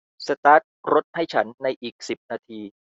สตาร์ทรถให้ฉันในอีกสิบนาที